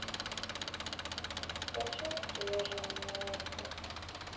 скачай приложение окко